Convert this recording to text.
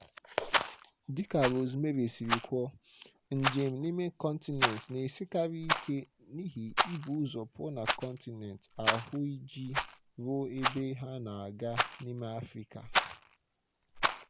Dịka Rosemary siri kwuo, njem n'ime kọntinent na-esikarị ike n'ihi ị bụ ụzọ pụọ na kọntinent ahụ iji ruo ebe ha na-aga n'ime Afrịka.